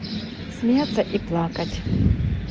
смеяться и плакать